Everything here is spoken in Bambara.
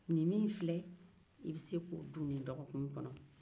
nin min filɛ i bɛ se k'o dun nin dɔgɔkun kɔnɔ